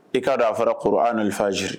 I ka dɔn a fɔra ko